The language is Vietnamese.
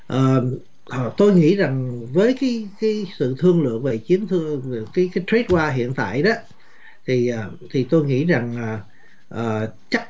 ờ hờ tôi nghĩ rằng với cái cái sự thương lượng về chiến thư rồi cái thuế qua hiện tại đó thì thì tôi nghĩ rằng à ờ chắc